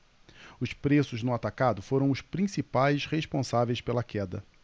os preços no atacado foram os principais responsáveis pela queda